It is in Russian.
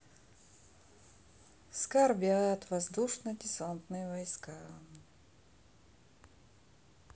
скорбят воздушно десантные войска